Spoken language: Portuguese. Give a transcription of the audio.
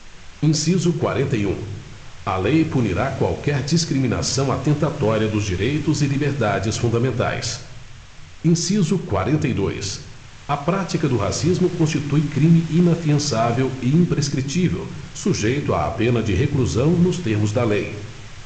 inciso quarenta e um a lei punirá qualquer discriminação atentatória dos direitos e liberdades fundamentais inciso quarenta e dois a prática do racismo constitui crime inafiançável e imprescritível sujeito à pena de reclusão nos termos da lei